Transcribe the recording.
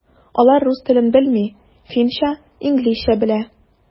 Алар рус телен белми, финча, инглизчә белә.